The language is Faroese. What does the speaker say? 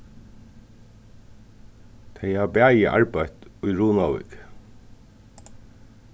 tey hava bæði arbeitt í runavík